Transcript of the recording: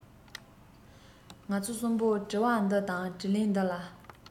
ང ཚོ གསུམ པོ དྲི བ འདི དང དྲིས ལན འདི ལ